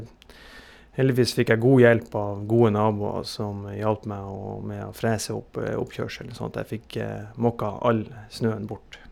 Heldigvis fikk jeg god hjelp av gode naboer som hjalp meg å med å frese opp oppkjørselen sånn at jeg fikk måka all snøen bort.